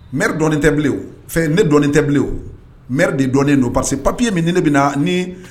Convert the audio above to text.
M dɔnɔni tɛ bilen o fɛ ne dɔn tɛ bilen o m de dɔnnen don parce que papiye min ne bɛna na ni